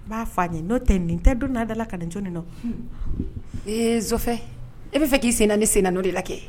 N b'a fɔ aa ye n'o tɛ nin tɛ don dala la ka cogoni nafɛ i b'a fɛ k'i sen ni sen n'o de la kɛ